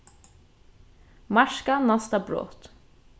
marka næsta brot